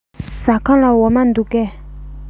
ཟ ཁང ལ འོ མ འདུག གས